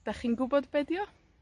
'Dach chi'n gwbod be' 'di o?